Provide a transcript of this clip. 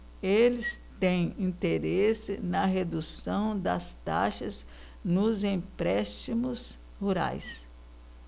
eles têm interesse na redução das taxas nos empréstimos rurais